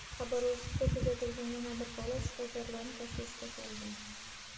xabarovskda kuzatilgan yana bir holat shifokorlarni tashvishga solgan